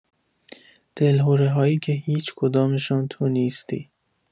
دلهره‌هایی که هیچ کدامشان تو نیستی